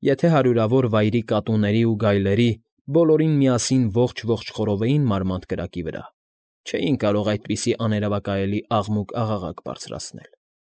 Եթե հարյուրավոր վայրի կատուների ու գայլերի բոլորին միասին ողջ֊ողջ խորովեին մարմանդ կրակի վրա, չէին կարող այդպիսի աներևակայելի աղմուկ֊աղաղակ բարձրացնել։